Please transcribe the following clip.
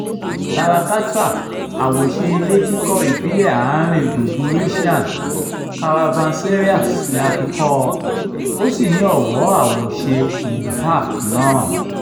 Bara Katra, àwòṣe ilé kíkọ́ ìbílẹ̀ Àárín gbùngbùn Asian caravanserais ni a fi kọ́ ọ, ó sì ní ọwọ́ọ àwòṣe Mughal náà.